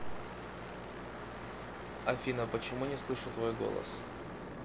афина почему не слышу твой голос